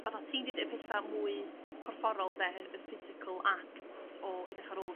fatha ti'n deud y petha' mwy corfforol 'de y y physical acts o edrych ar ôl